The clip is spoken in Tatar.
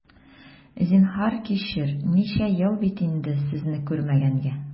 Зинһар, кичер, ничә ел бит инде сезне күрмәгәнгә!